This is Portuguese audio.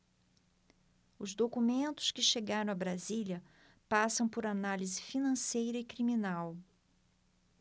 os documentos que chegaram a brasília passam por análise financeira e criminal